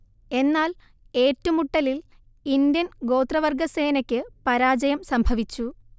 എന്നാൽ ഏറ്റുമുട്ടലിൽ ഇന്ത്യൻ ഗോത്രവർഗ സേനയ്ക്ക് പരാജയം സംഭവിച്ചു